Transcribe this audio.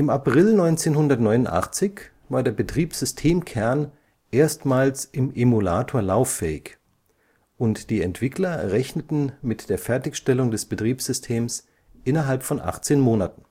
April 1989 war der Betriebssystemkern erstmals im Emulator lauffähig, und die Entwickler rechneten mit der Fertigstellung des Betriebssystems innerhalb von 18 Monaten